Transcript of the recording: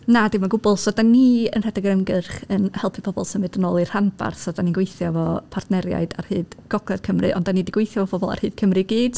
Na, dim o gwbl. So dan ni yn rhedeg yr ymgyrch, yn helpu pobl symud yn ôl i'r rhanbarth. So dan ni'n gweithio efo partneriaid ar hyd Gogledd Cymru, ond dan ni 'di gweithio efo pobl ar hyd Cymru i gyd.